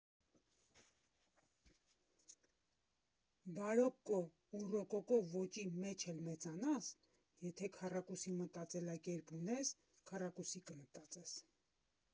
Բարոկկո ու ռոկոկո ոճի մեջ էլ մեծանաս, եթե քառակուսի մտածելակերպ ունես, քառակուսի կմտածես։